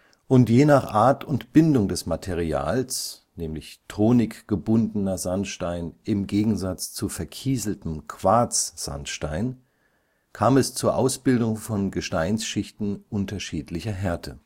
– und je nach Art und Bindung des Materials (tonig gebundener Sandstein im Gegensatz zu verkieseltem Quarzsandstein) zur Ausbildung von Gesteinsschichten unterschiedlicher Härte